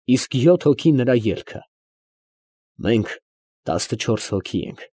Իսկ յոթ հոգի՝ նրա ելքը։ Մենք տասնչորս հոգի ենք։